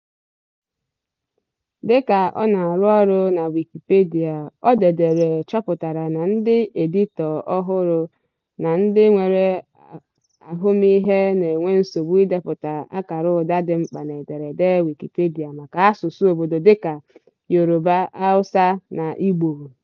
Dịka ọ na-arụ ọrụ na Wikipedia, Odedere chọpụtara na ndị editọ ọhụrụ na ndị nwere ahụmihe na-enwe nsogbu idepụta akara ụda dị mkpa n'ederede Wikipedia maka asụsụ obodo dịka Yoruba, Hausa, na Igbo.